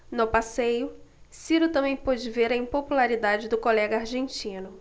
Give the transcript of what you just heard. no passeio ciro também pôde ver a impopularidade do colega argentino